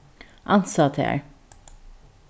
ansa tær